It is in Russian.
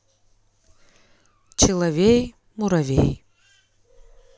человей муравей